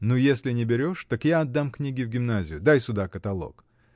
— Ну, если не берешь, так я отдам книги в гимназию: дай сюда каталог!